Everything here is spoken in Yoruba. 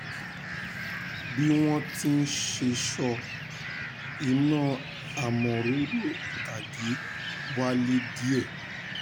Bí wọ́n ti ṣe sọ, iná amọ́roro ìtàgé wálẹ̀ díẹ̀.